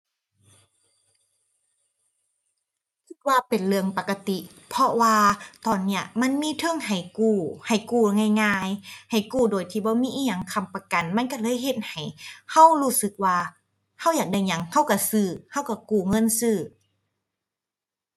คิดว่าเป็นเรื่องปกติ เพราะว่าตอนนี้มันมีเทิงให้กู้ ให้กู้ง่ายง่าย ให้กู้โดยที่บ่มีอิหยังค้ำประกัน มันก็เลยเฮ็ดให้ก็รู้สึกว่า ก็อยากได้หยัง ก็ก็ซื้อ ก็ก็กู้เงินซื้อ